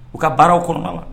U ka baaraw kɔnɔna na